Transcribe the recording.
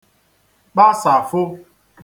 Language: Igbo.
kpasàfụ